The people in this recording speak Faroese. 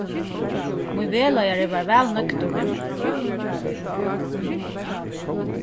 mín vegleiðari var væl nøgdur við meg